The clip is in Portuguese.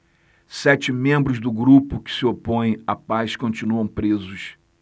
sete membros do grupo que se opõe à paz continuam presos